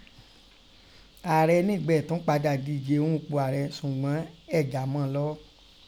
Aarẹ nígbẹẹ̀ tun pada dije un ipo aarẹ, sugbọn éè ja mọ lọ́ọ́.